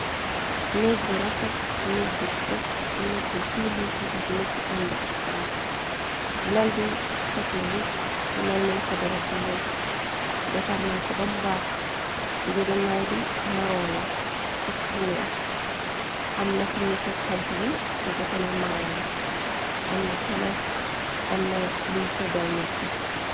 Nek bu refet nik bu set nik bu siiw lise ak nik bu ànda ak tan lal bi set na wicc lal nañ fëdarab bu weex defar nañ ko bambaax njege naay bi maron la ak bu weex amna fi ñuy tek tank bi bu bo tami maron la amna tele amna liy seddal nig bi.